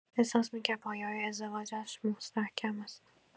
احساس می‌کرد پایه‌های ازدواجش مستحکم است.